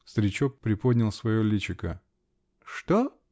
Старичок приподнял свое личико. -- Что?